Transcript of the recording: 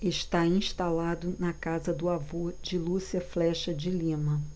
está instalado na casa do avô de lúcia flexa de lima